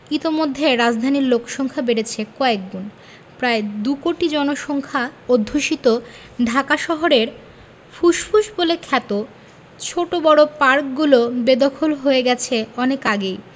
ইতোমধ্যে রাজধানীর লোকসংখ্যা বেড়েছে কয়েকগুণ প্রায় দুকোটি জনসংখ্যা অধ্যুষিত ঢাকা শহরের ফুসফুস বলে খ্যাত ছোট বড় পার্কগুলো বেদখল হয়ে গেছে অনেক আগেই